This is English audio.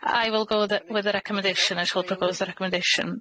I will go w- with the with the recommendation and shall propose the recommendation.